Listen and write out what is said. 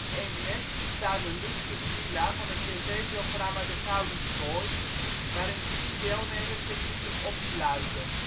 Eemnes staat de luxe villa van het tv-programma De Gouden Kooi waarin tien deelnemers zich lieten opsluiten